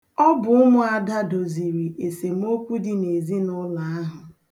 Ọ bụ ụmụada doziri esemokwu dị n'ezinụlọ ahụ.